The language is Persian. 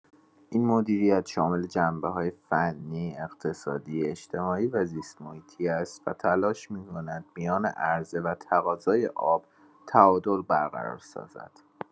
این مدیریت شامل جنبه‌های فنی، اقتصادی، اجتماعی و زیست‌محیطی است و تلاش می‌کند میان عرضه و تقاضای آب تعادل برقرار سازد.